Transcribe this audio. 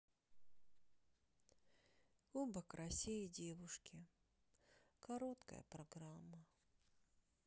кубок россии девушки короткая программа